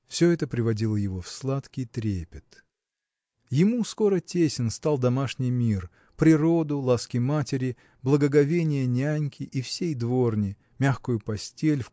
все это приводило его в сладкий трепет. Ему скоро тесен стал домашний мир. Природу ласки матери благоговение няньки и всей дворни мягкую постель